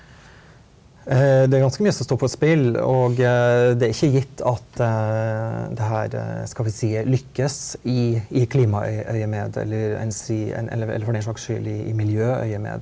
det er ganske mye som står på spill og det er ikke gitt at det her skal vi si lykkes i i klimaøyemed eller enn si eller for den slags skyld i miljøøyemed.